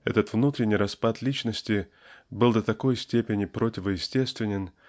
Этот внутренний распад личности был до такой степени противоестествен